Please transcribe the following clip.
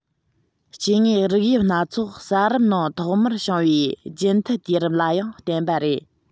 སྐྱེ དངོས རིགས དབྱིབས སྣ ཚོགས ས རིམ ནང ཐོག མར བྱུང བའི རྒྱུན མཐུད དུས རིམ ལ ཡང བརྟེན པ རེད